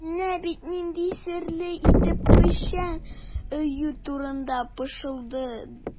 Әнә бит нинди серле итеп печән өю турында пышылдады.